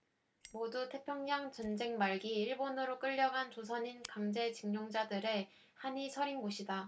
모두 태평양전쟁 말기 일본으로 끌려간 조선인 강제징용자들의 한이 서린 곳이다